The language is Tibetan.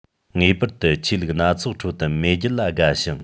ངེས པར དུ ཆོས ལུགས སྣ ཚོགས ཁྲོད དུ མེས རྒྱལ ལ དགའ ཞིང